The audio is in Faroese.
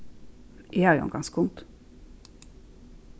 eg havi ongan skund